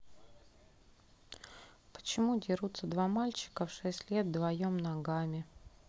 почему дерутся два мальчика в шесть лет вдвоем ногами